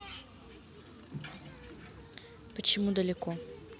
почему далеко